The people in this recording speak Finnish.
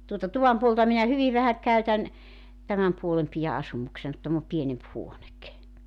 tuota tuvan puolta minä hyvin vähän käytän tämän puolen pidän asumuksena kun tämä on pienempi huone